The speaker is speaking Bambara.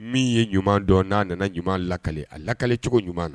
Min ye ɲuman dɔn, n'a nana ɲuman lakale, a lakale cogo ɲuman na.